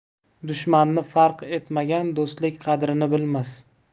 dushmanni farq etmagan do'stlik qadrini bilmas